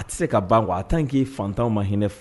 A tɛ se ka ban kuwa a taa n k'i fantanw ma h hinɛinɛ